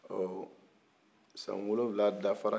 ɔ san wolonwula dafara